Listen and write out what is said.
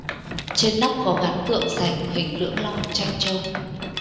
trên nóc có gắn tượng sành hình lưỡng long tranh châu